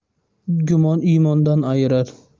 gumon imondan ayirar